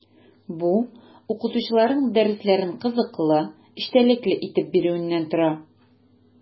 Бу – укытучыларның дәресләрен кызыклы, эчтәлекле итеп бирүеннән тора.